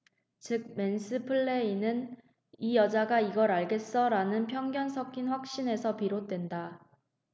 즉 맨스플레인은 이 여자가 이걸 알겠어 라는 편견 섞인 확신에서 비롯된다